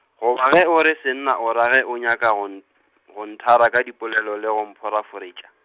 goba ge o re senna o ra ge o nyaka go n- , go nthera ka dipolelo le go mphoraforetša.